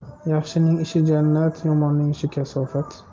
yaxshining ishi jannat yomonning ishi kasofat